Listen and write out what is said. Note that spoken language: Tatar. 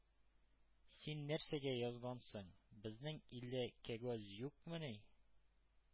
— син нәрсәгә язгансың! безнең илдә кәгазь юкмыни? —